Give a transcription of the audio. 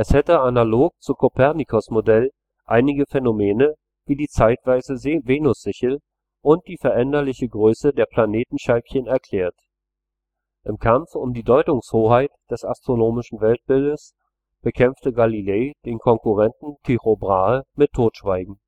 hätte analog zu Kopernikus’ Modell einige Phänomene wie die zeitweise Venussichel und die veränderliche Größe der Planetenscheibchen erklärt. Im Kampf um die Deutungshoheit des astronomischen Weltbildes bekämpfte Galilei den Konkurrenten Tycho Brahe mit Totschweigen